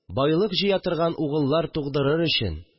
Байлык җыя торган угыллар тугъдырыр өчен